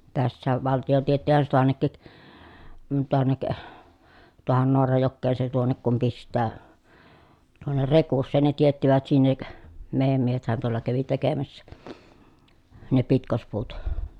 tässäkin valtio teettihän se taannekin tuonne tuohon Naarajokeen se tuonne kun pistää tuonne Rekuseen ne teettivät sinne meidän miehethän tuolla kävi tekemässä ne pitkospuut